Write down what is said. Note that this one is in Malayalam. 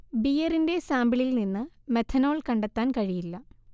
ബിയറിന്റെ സാമ്പിളിൽ നിന്ന് മെഥനൊൾ കണ്ടെത്താൻ കഴിയില്ല